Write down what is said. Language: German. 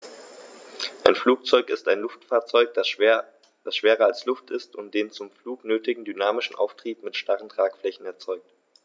Ein Flugzeug ist ein Luftfahrzeug, das schwerer als Luft ist und den zum Flug nötigen dynamischen Auftrieb mit starren Tragflächen erzeugt.